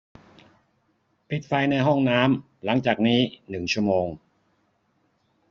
ปิดไฟในห้องน้ำหลังจากนี้หนึ่งชั่วโมง